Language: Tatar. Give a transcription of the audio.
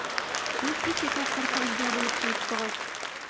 Сез ике тапкыр Хаҗда булып кайттыгыз.